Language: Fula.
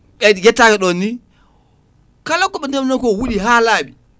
gayde yettakiɗon ni kala koɓe joguino ko wuuɗi ha laaɓi